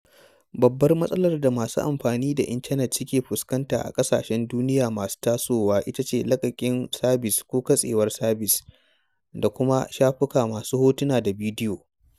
Babbar matsalar da masu amfani da intanet suke fuskanta a ƙasashen duniya masu tasowa ita ce laƙaƙin sabis (ko katsewar sabis) da kuma shafuka masu hotuna da bidiyo.